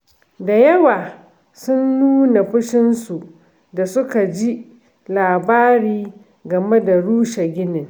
Da yawa sun nuna fushinsu da suka ji labari game da rushe ginin.